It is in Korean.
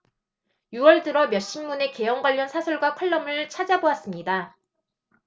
유 월 들어 몇 신문의 개헌 관련 사설과 칼럼을 찾아 보았습니다